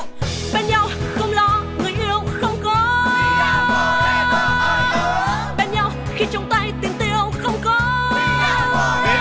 bên nhau không lo người yêu không có bên nhau khi trong tay tiền tiêu không có